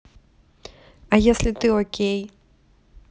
а если ты окей